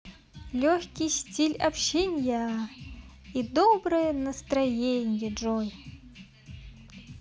легкий стиль общения и бодрое настроение джой